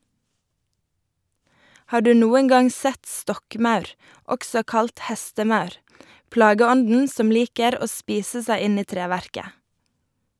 Har du noen gang sett stokkmaur, også kalt hestemaur, plageånden som liker å spise seg inn i treverket?